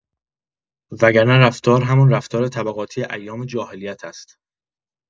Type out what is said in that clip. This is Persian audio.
وگرنه رفتار همان رفتار طبقاتی ایام جاهلیت است.